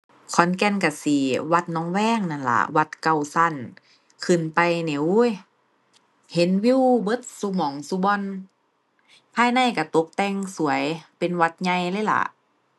ขอนแก่นก็สิวัดหนองแวงนั่นล่ะวัดเก้าก็ขึ้นไปนี่ โอ๊ย เห็นวิวเบิดซุหม้องซุบ่อน ภายในก็ตบแต่งสวยเป็นวัดใหญ่เลยล่ะ